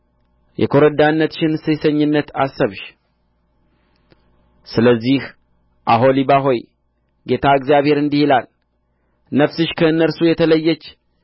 የኰረዳነትሽን ሴሰኝነት አሰብሽ ስለዚህ ኦሖሊባ ሆይ ጌታ እግዚአብሔር እንዲህ ይላል ነፍስሽ ከእነርሱ የተለየች